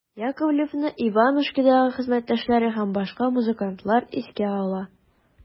Яковлевны «Иванушки»дагы хезмәттәшләре һәм башка музыкантлар искә ала.